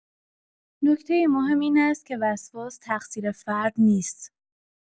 نکته مهم این است که وسواس تقصیر فرد نیست.